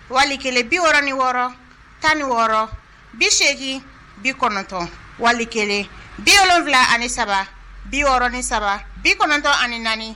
Wali kelen biɔrɔn ni wɔɔrɔ tan ni wɔɔrɔ bi8egin bi kɔnɔntɔn wali kelen biɔrɔnwula ani saba biɔrɔn ni saba bi kɔnɔntɔn ani naani